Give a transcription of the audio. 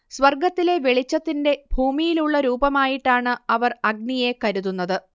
സ്വർഗത്തിലെ വെളിച്ചത്തിന്റെ ഭൂമിയിലുള്ള രൂപമായിട്ടാണ് അവർ അഗ്നിയെ കരുതുന്നത്